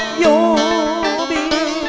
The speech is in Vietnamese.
vô biên